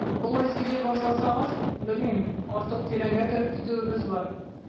Болай сөйли башласагыз, белмим, артык тирәнгә кереп китүебез бар.